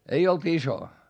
ei ollut iso